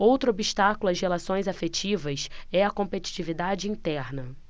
outro obstáculo às relações afetivas é a competitividade interna